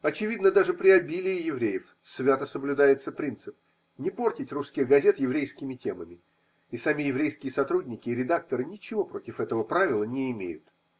Очевидно, даже при обилии евреев свято соблюдается принцип – не портить русских газет еврейскими темами, и сами еврейские сотрудники и редакторы ничего против этого правила не имеют.